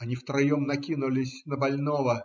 Они втроем накинулись на больного,